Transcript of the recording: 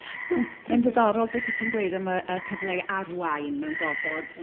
Mae'n yn ddiddorol beth wyt ti'n gweud am y y cyfle i arwain mewn gofod